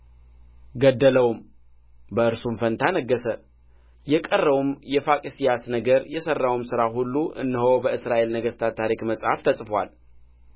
ገደለውም በእርሱም ፋንታ ነገሠ የቀረውም የፋቂስያስ ነገር የሠራውም ሥራ ሁሉ እነሆ በእስራኤል ነገሥታት ታሪክ መጽሐፍ ተጽፎአል